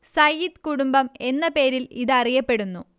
സയ്യിദ് കുടുംബം എന്ന പേരിൽ ഇത് അറിയപ്പെടുന്നു